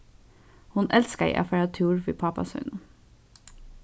hon elskaði at fara túr við pápa sínum